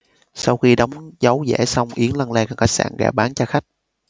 sau khi đóng dấu giả xong yến lân la gần khách sạn gạ bán cho khách